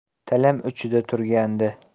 tilim uchida turgandi